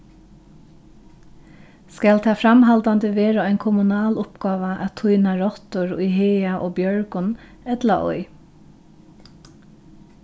skal tað framhaldandi vera ein kommunal uppgáva at týna rottur í haga og bjørgum ella ei